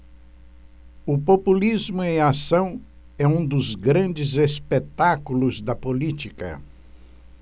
o populismo em ação é um dos grandes espetáculos da política